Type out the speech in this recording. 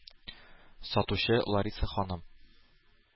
Сатучы лариса ханым.